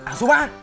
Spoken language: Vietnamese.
áo số ba